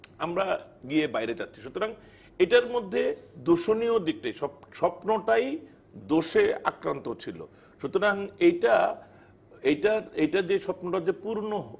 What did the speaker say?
আমরা গিয়ে বাইরে যাচ্ছি সুতরাং এটার মধ্যে দোষনীয় দিকটাই স্বপ্নটাই দোষে আক্রান্ত ছিল সুতরাং এইটা এইটা এইটা যে স্বপ্নটা যে পূর্ণ